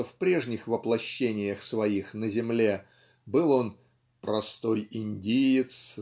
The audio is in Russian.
что в прежних воплощениях своих на земле был он "простой индиец